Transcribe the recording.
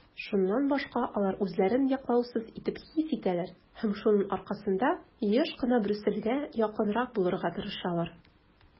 Шуннан башка алар үзләрен яклаусыз итеп хис итәләр һәм шуның аркасында еш кына Брюссельгә якынрак булырга тырышалар.